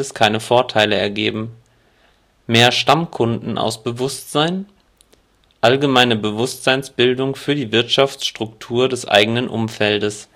keine Vorteile ergeben. mehr Stammkunden aus Bewusstsein Allgemeine Bewusstseinsbildung für die Wirtschaftsstruktur des eigenen Umfeldes